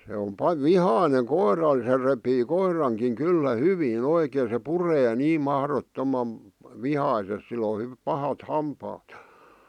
se on - vihainen koiralle se repii koirankin kyllä hyvin oikein se puree niin mahdottoman vihaisesti sillä on - pahat hampaat ja